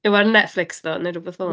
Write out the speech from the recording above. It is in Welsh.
Yw e ar Netflix ddo neu rywbeth fel 'na?